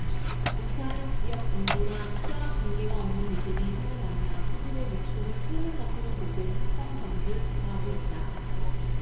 경찰은 지역 연고나 특별한 관계가 없는 이들이 서로 만나 스스로 목숨을 끊은 것으로 보고 사건 경위를 조사하고 있다